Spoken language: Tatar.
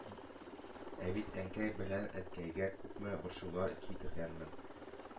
Ә бит Әнкәй белән әткәйгә күпме борчулар китергәнмен,